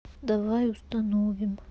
давай установим